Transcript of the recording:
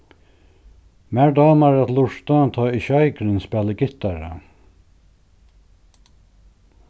mær dámar at lurta tá ið sjeikurin spælir gittara